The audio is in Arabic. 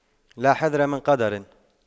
لا حذر من قدر